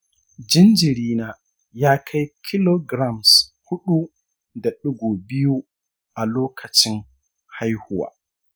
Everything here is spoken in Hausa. jinjiri na ya kai kilograms huɗu da ɗigo biyu a lokacin haihuwa.